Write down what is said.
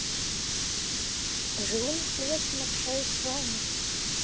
живу настоящим общаюсь с вами